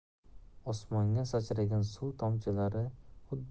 osmonga sachragan suv tomchilari